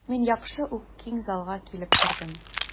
Мин яхшы ук киң залга килеп кердем.